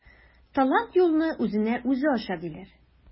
Талант юлны үзенә үзе ача диләр.